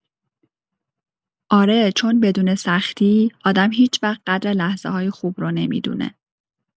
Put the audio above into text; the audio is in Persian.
آره، چون بدون سختی، آدم هیچ‌وقت قدر لحظه‌های خوب رو نمی‌دونه.